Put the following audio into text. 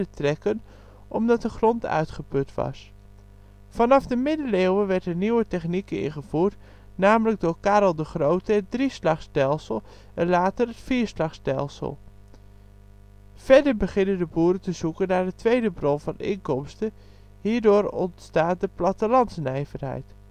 trekken omdat de grond uitgeput was. Vanaf de Middeleeuwen werden er nieuwe technieken ingevoerd, namelijk door Karel de Grote het drieslagstelsel en later het vierslagstelsel. Verder beginnen boeren te zoeken naar een tweede bron van inkomsten, hierdoor ontstaat de plattelandsnijverheid